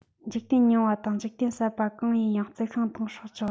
འཇིག རྟེན རྙིང བ དང འཇིག རྟེན གསར པ གང ཡིན ཡང རྩི ཤིང དང སྲོག ཆགས